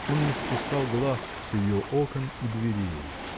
Он не спускал глаз с ее окон и дверей.